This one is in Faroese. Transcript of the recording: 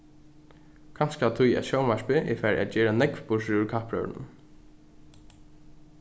kanska tí at sjónvarpið er farið at gera nógv burturúr kappróðrinum